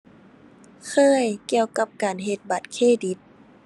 เคย เกี่ยวกับการเฮ็ดบัตรเครดิต